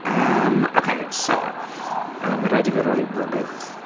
Yym ok so O ma' raid i fi roi rybudd...